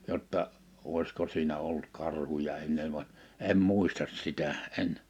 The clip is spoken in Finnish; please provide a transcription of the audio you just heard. jotta olisiko siinä ollut karhuja ennen vaan en muista sitä en